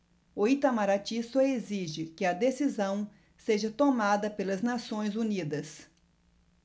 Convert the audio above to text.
o itamaraty só exige que a decisão seja tomada pelas nações unidas